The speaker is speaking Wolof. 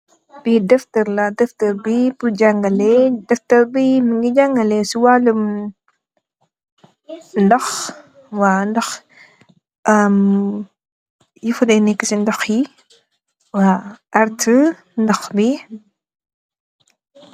Bi dafteur la dafteur bi pur jangaleh ndokh yufade neki si ndokh bi